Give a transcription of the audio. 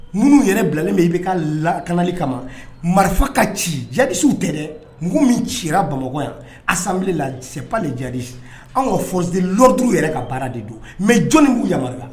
Ŋ yɛrɛ bilalen min i bɛ ka lakli kama marifa ka ci jasiw tɛ dɛ n mugu min ci bamakɔ yan ala ja anw ka fɔsi lauru yɛrɛ ka baara de don mɛ jɔnni' yama